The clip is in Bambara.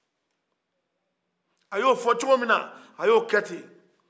a y'o fɔ cogo min na a y' o kɛ ten